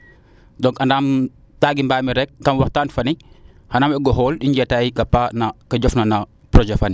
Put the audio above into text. donc andaam taga mbamir rek kam waxtaan fani anaame o goxele i njetaay ta paax no ke jofna na projet fani